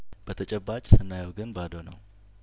በተጨባጭ ስናየው ግን ባዶ ነው